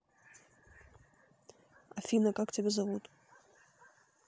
афина как тебя зовут